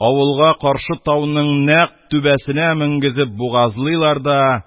Авылга каршы тауның нәкъ түбәсенә менгезеп бугазлыйлар да,